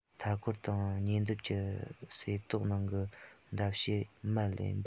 མཐའ འཁོར དང ཉེ འདབས ཀྱི ཟེ ཏོག ནང གི འདབ ཕྱེ མར ལེན པ ཡིན